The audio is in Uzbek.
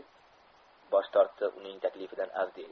bosh tortdi uning taklifidan avdiy